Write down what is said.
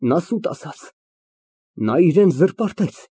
Նա սուտ ասաց։ Նա իրան զրպարտեց։